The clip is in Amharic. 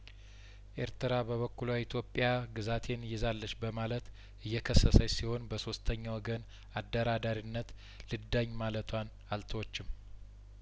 ኤርትራ በበኩሏ ኢትዮጵያ ግዛቴን ይዛለች በማለት እየከሰሰች ሲሆን በሶስተኛ ወገን አደራዳሪነት ልዳኝ ማለቷን አልተወችም